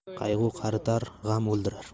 qayg'u qaritar g'am o'ldirar